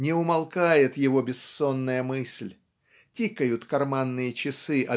Не умолкает его бессонная мысль. Тикают карманные часы